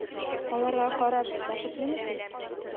Аларга карап бәхетлеме сез?